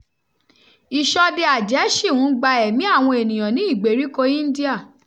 Ìṣọdẹ-àjẹ́ ṣì ń gba ẹ̀mí àwọn ènìyàn ní ìgbèríko India